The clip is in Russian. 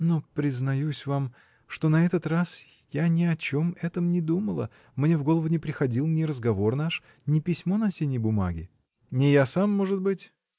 Но, признаюсь вам, что на этот раз я ни о чем этом не думала, мне в голову не приходил ни разговор наш, ни письмо на синей бумаге. — Ни я сам, может быть?